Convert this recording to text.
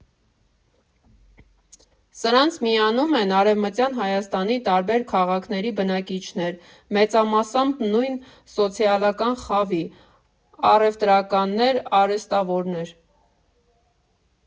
Սրանց միանում են Արևմտյան Հայաստանի տարբեր քաղաքների բնակիչներ՝ մեծամասամբ նույն սոցիալական խավի՝ առևտրականներ, արհեստավորներ։